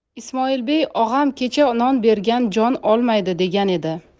ismoilbey og'am kecha non bergan jon olmaydi degan edi